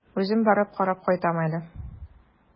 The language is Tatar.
Үзем барып карап кайтам әле.